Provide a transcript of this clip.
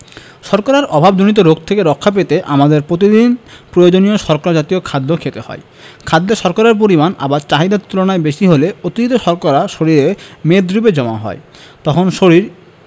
শর্করার অভাবজনিত রোগ থেকে রক্ষা পেতে আমাদের প্রতিদিন প্রয়োজনীয় শর্করা জাতীয় খাদ্য খেতে হয় খাদ্যে শর্করার পরিমাণ আবার চাহিদার তুলনায় বেশি হলে অতিরিক্ত শর্করা শরীরে মেদরুপে জমা হয় তখন শরীর